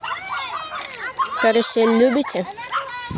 карусель любите